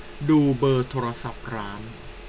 ดูเบอร์โทรศัพท์ร้าน